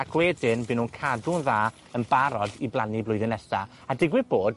ac wedyn by' nw'n cadw'n dda, yn barod i blannu blwyddyn nesaf, a digwydd bod